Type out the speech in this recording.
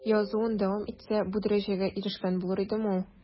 Язуын дәвам итсә, бу дәрәҗәгә ирешкән булыр идеме ул?